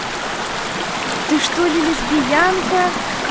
ты что ли лесбиянка